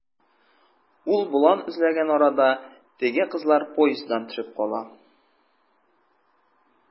Ул болан эзләгән арада, теге кызлар поезддан төшеп кала.